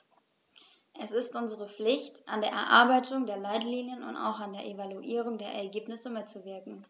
Es ist unsere Pflicht, an der Erarbeitung der Leitlinien und auch an der Evaluierung der Ergebnisse mitzuwirken.